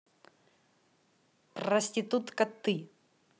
проститутка ты